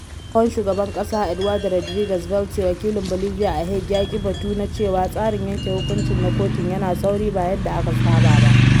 Tsohon shugaban ƙasa Eduardo Rodríguez Veltzé, wakilin Bolivia a Hague, ya ki batu na cewa tsarin yanke hukuncin na kotun yana sauri ba yadda aka saba ba.